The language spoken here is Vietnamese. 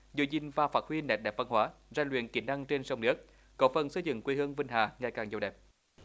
giữ gìn và phát huy nét đẹp văn hóa rèn luyện kỹ năng trên sông nước góp phần xây dựng quê hương vân hà ngày càng giàu đẹp